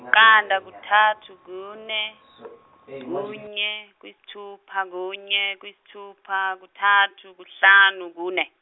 iqanda kuthathu kune kunye kuyisithupha kunye kuyisithupha kuthathu kuhlanu kune.